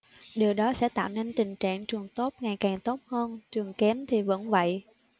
điều đó sẽ tạo nên tình trạng trường tốt ngày càng tốt hơn trường kém thì vẫn vậy